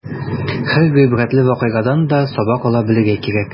Һәр гыйбрәтле вакыйгадан да сабак ала белергә кирәк.